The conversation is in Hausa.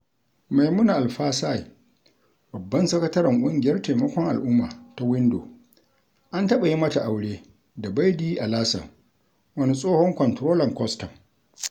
Maimouna Alpha Sy, babban sakataren ƙungiyar taimakon al'umma ta Window, an taɓa yi mata aure da Baidy Alassane, wani tsohon kwanturolan kwastam.